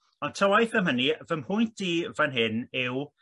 ond ta waeth am hynny fy mhwynt i fan hyn yw